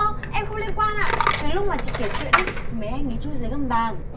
ơ em không liên quan ạ cái lúc mà chị kể chuyện ý mấy anh ý chui dưới gầm bàn